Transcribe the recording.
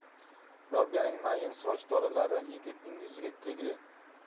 robiyaning mayin soch tolalari yigitning yuziga tegdi